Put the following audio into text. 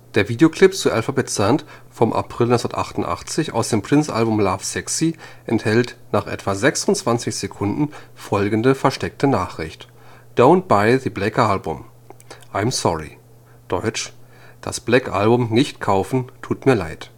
Der Videoclip zu Alphabet St. vom April 1988 aus dem Prince-Album Lovesexy enthält nach etwa 26 Sekunden folgende versteckte Nachricht: “Don’ t Buy the Black Album, I’ m Sorry” (deutsch: „ Das Black Album nicht kaufen, tut mit leid